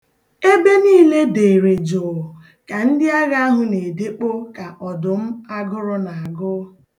Ebe niile deere jụụ ka ndịagha ahụ na-edekpo ka ọdụm agụrụ na-agụ.